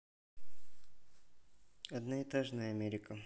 одноэтажная америка